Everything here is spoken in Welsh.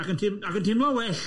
Ac yn teimlo, ac yn teimlo'n well.